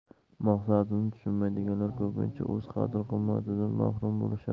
maqsadini tushunmaydiganlar ko'pincha o'z qadr qimmatidan mahrum bo'lishadi